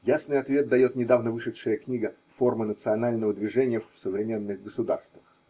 Ясный ответ дает недавно вышедшая книга Формы национального движения в современных государствах.